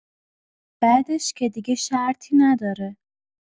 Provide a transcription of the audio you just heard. بعدش که دیگه شرطی نداره